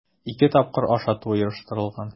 Ике тапкыр ашату оештырылган.